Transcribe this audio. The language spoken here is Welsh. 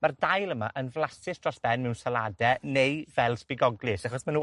Ma'r dail yma yn flasus dros ben mewn salade, neu fel sbigoglys, achos ma' nw